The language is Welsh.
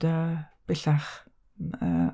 Ond yy, bellach, m- yy,